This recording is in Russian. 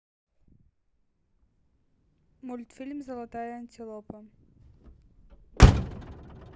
мультфильм золотая антилопа